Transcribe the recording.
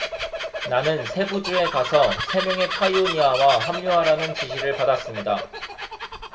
나는 세부 주에 가서 세 명의 파이오니아와 합류하라는 지시를 받았습니다